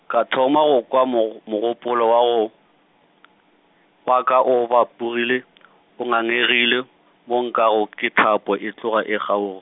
ka thoma go kwa mog- mogopolo wa go , wa ka o bapogile , o ngangegile, mo nkwago ke thapo e tloga e kgaog-